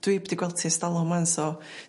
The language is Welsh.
dwi 'eb 'di gweld 'i e's talwm 'wan so